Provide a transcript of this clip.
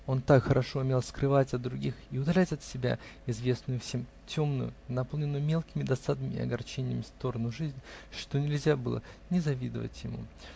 Он так хорошо умел скрывать от других и удалять от себя известную всем темную, наполненную мелкими досадами и огорчениями сторону жизни, что нельзя было не завидовать ему.